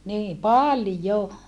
niin paljon